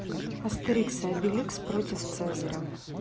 астерикс и обеликс против цезаря